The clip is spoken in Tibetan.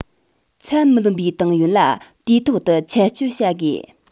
ཚད མི ལོན པའི ཏང ཡོན ལ དུས ཐོག ཏུ ཆད གཅོད བྱ དགོས